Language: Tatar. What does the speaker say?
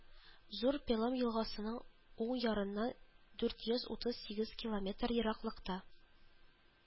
Зур Пелым елгасының уң ярыннан дүрт йөз утыз сигез километр ераклыкта